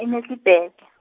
e -Middelburg.